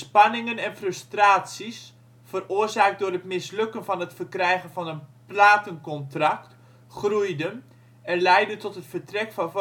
en frustraties, veroorzaakt door het mislukken van het verkrijgen van een platencontract groeiden en leidden tot het vertrek van vocalist